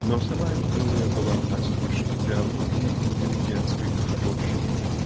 но сама эта теория была У нас лишь идеологией интеллигентской кружковщины.